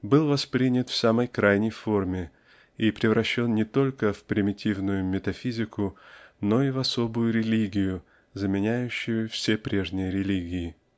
был воспринят в самой крайней форме и превращен не только в примитивную метафизику но и в особую религию заменяющую все прежние религии.